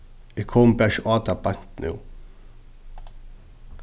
eg komi bara ikki á tað beint nú